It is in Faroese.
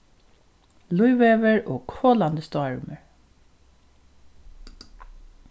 lýveður og kolandi stormur